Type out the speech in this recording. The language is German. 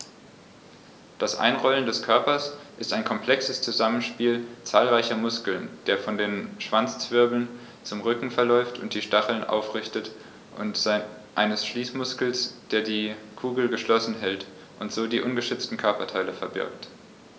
Das Einrollen des Körpers ist ein komplexes Zusammenspiel zahlreicher Muskeln, der von den Schwanzwirbeln zum Rücken verläuft und die Stacheln aufrichtet, und eines Schließmuskels, der die Kugel geschlossen hält und so die ungeschützten Körperteile verbirgt.